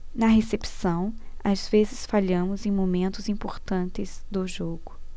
na recepção às vezes falhamos em momentos importantes do jogo